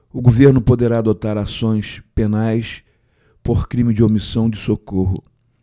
o governo poderá adotar ações penais por crime de omissão de socorro